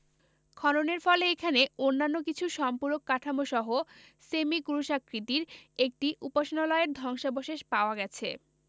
খননের ফলে এখানে অন্যান্য কিছু সম্পূরক কাঠামোসহ সেমি ক্রুশাকৃতির একটি উপাসনালয়ের ধ্বংসাবশেষ পাওয়া গেছে